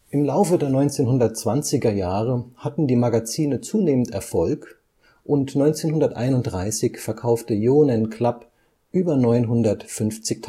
Im Laufe der 1920er Jahre hatten die Magazine zunehmend Erfolg und 1931 verkaufte Yõnen Club über 950.000